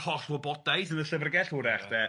holl wybodaeth yn y llyfrgell hwyrach de.